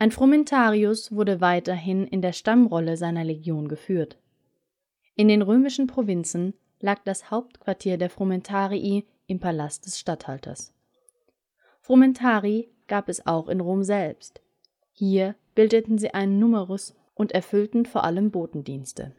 frumentarius wurde weiterhin in der Stammrolle seiner Legion geführt. In den römischen Provinzen lag das Hauptquartier der frumentarii im Palast des Statthalters. Frumentarii gab es auch in Rom selbst. Hier bildeten sie einen numerus und erfüllten vor allem Botendienste